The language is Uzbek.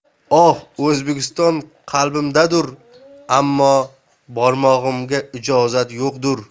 oh o'zbekiston qalbimdadir ammo bormog'imga ijozat yo'qtur